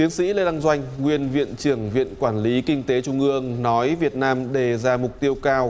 tiến sĩ lê đăng doanh nguyên viện trưởng viện quản lý kinh tế trung ương nói việt nam đề ra mục tiêu cao